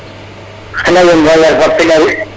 *